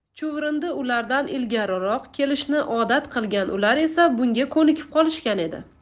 chuvrindi ulardan ilgariroq kelishni odat qilgan ular esa bunga ko'nikib qolishgan edi